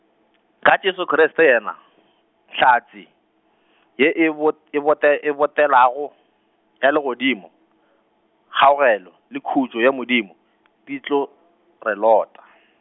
ka Jesu Kriste yena, hlatse, ye e bo, e bote- e botegago, ya legodimo, kgaogelo, le khutšo ya Modimo , di tlo , re lota.